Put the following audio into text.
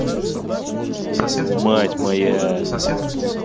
мать моя